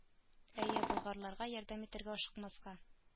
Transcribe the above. Әйе болгарларга ярдәм итәргә ашыкмаска